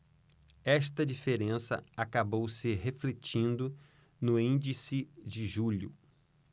esta diferença acabou se refletindo no índice de julho